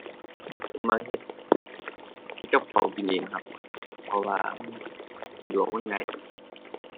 ผมมักเฮ็ด เฮ็ดกับข้าวกินเองครับ เพราะว่ามันสะดวก มันง่ายดี